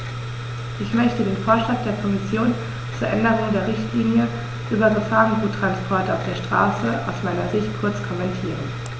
Ich möchte den Vorschlag der Kommission zur Änderung der Richtlinie über Gefahrguttransporte auf der Straße aus meiner Sicht kurz kommentieren.